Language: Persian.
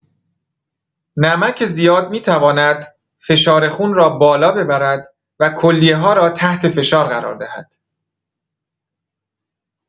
نمک زیاد می‌تواند فشار خون را بالا ببرد و کلیه‌ها را تحت فشار قرار دهد.